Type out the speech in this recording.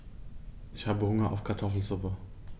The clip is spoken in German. Ich habe Hunger auf Kartoffelsuppe.